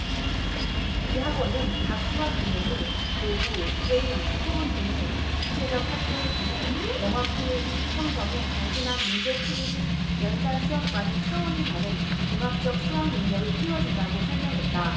이 학원은 각 수학 개념을 교구 게임 토론 등의 입체적 활동을 통해 명확히 형성해 단순한 문제풀이식 연산수학과는 차원이 다른 종합적 수학능력을 키워준다고 설명했다